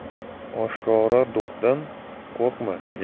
oshkora do'qdan qo'rqma